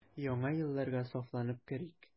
Яңа елларга сафланып керик.